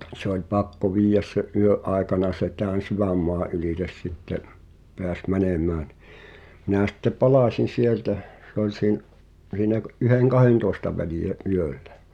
niin se oli pakko viedä sen yön aikana se tämän sydänmaan ylitse sitten pääsi menemään niin minä sitten palasin sieltä se oli - siinä - yhden-kahdentoista välillä yöllä